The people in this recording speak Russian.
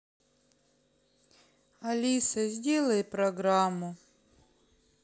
алиса сделай программу